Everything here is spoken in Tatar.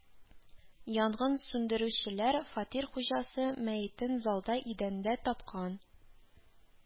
Янгын сүндерүчеләр фатир хуҗасы мәетен залда идәндә тапкан